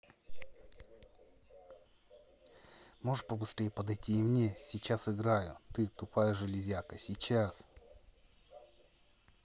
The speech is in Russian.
можешь побыстрее подойти и мне сейчас играю ты глупая железяка сейчас